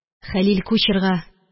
Хәлил кучерга